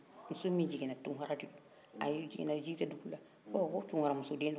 a jiginna ji tɛ dugu le ɔn ko tunkara muso den don aw y'a t'a yɛrɛ k'a koliji ɲinin a yɛrɛ ye